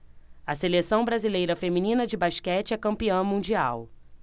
a seleção brasileira feminina de basquete é campeã mundial